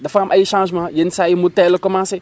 dafa am ay changement yenn saa yi mu teel a commencé